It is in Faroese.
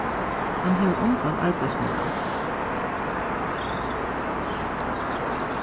hann hevur ongan arbeiðsmoral